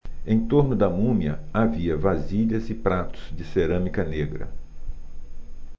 em torno da múmia havia vasilhas e pratos de cerâmica negra